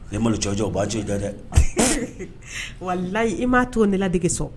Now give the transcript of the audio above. Ni malo jɔjɔ o b'a jɔjɔjɔ dɛ wa layi i m'a to ne ladege sɔn